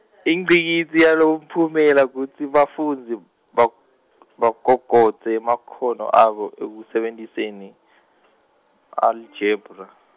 ingcikitsi yalomphumela kutsi bafundzi bag- bagogodze emakhono abo ekusebentiseni , aljebra.